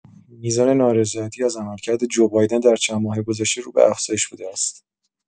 میزان نارضایتی از عملکرد جو بایدن در چند ماه گذشته رو به افزایش بوده است.